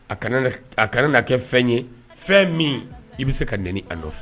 A kana na kɛ fɛn ye fɛn min i bi se ka nɛni a nɔfɛ.